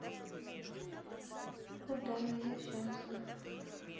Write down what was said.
о да я счастлив